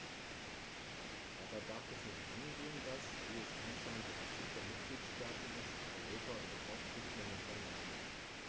Dabei darf es nicht angehen, dass - wie es anscheinend die Absicht der Mitgliedsstaaten ist - Europa überhaupt nicht mehr in Erscheinung tritt.